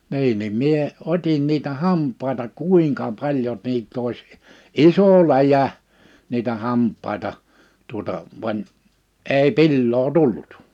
niin niin minä otin niitä hampaita kuinka paljon niitä olisi iso läjä niitä hampaita tuota vaan ei pilaa tullut